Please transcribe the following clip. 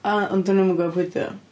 A ond dyn nhw'm yn gwbod pwy 'di o?